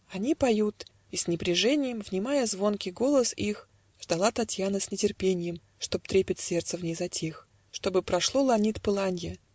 Х Они поют, и, с небреженьем Внимая звонкий голос их, Ждала Татьяна с нетерпеньем, Чтоб трепет сердца в ней затих, Чтобы прошло ланит пыланье.